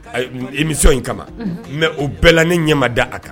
Imi in kama mɛ o bɛɛla ne ɲɛma da a kan